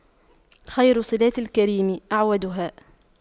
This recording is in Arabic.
خير صِلاتِ الكريم أَعْوَدُها